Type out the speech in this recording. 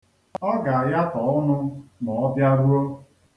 Ọ ga-ayatọ ọnụ ma ọ bịaruo.